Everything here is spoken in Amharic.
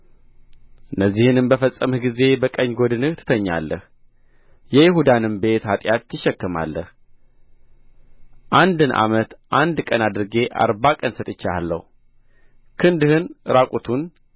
እነዚህንም በፈጸምህ ጊዜ በቀኝ ጐድንህ ትተኛለህ የይሁዳንም ቤት ኃጢአት ትሸከማለህ አንድን ዓመት አንድ ቀን አድርጌ አርባ ቀን ሰጥቼሃለሁ ክንድህን ዕራቁቱን